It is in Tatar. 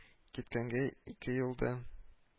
Киткәнгә ике ел да